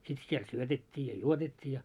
sitten siellä syötettiin ja juotettiin ja